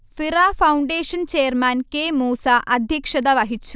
Hira foundation chairman K. Moosa അധ്യക്ഷത വഹിച്ചു